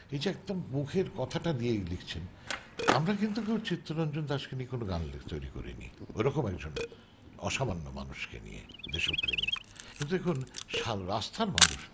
এই যে একদম মুখের কথাটা দিয়ে লিখছেন আমরা কিন্তু কেউ চিত্তরঞ্জন দাশকে নিয়ে কোন গান তৈরি করিনি ওরকম একজন অসামান্য মানুষ কে নিয়ে দেশপ্রেমী কিন্তু দেখুন রাস্তার মানুষ